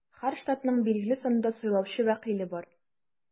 Һәр штатның билгеле санда сайлаучы вәкиле бар.